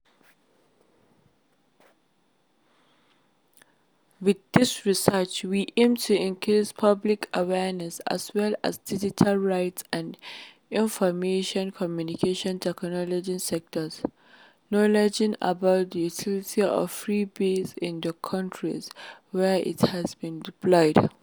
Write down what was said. With this research, we aim to increase public awareness, as well as digital rights and Information Communication Technology sector knowledge about the utility of Free Basics in the countries where it has been deployed.